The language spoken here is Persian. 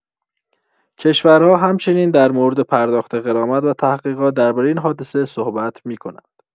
کشورها همچنین در مورد پرداخت غرامت و تحقیقات درباره این حادثه صحبت می‌کنند.